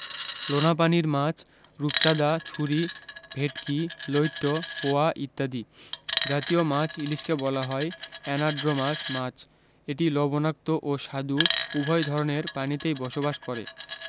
লোনাপানির মাছ রূপচাঁদা ছুরি ভেটকি লইট্ট পোয়া ইত্যাদি জতীয় মাছ ইলিশকে বলা হয় অ্যানাড্রোমাস মাছ এটি লবণাক্ত ও স্বাদু উভয় ধরনের পানিতেই বসবাস করে